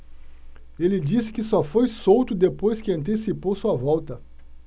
ele disse que só foi solto depois que antecipou sua volta